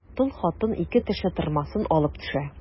Тол хатын ике тешле тырмасын алып төшә.